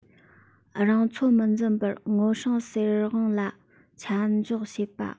རང ཚོད མི འཛིན པར ངོ སྲུང ཟེར དབང ལ ཆ འཇོག བྱེད པ